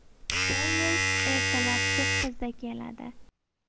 poyezd ertalab to'qqizda keladi